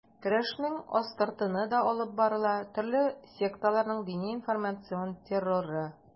Көрәшнең астыртыны да алып барыла: төрле секталарның дини-информацион терроры.